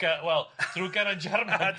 Ga- wel drwy Geraint Jarman de!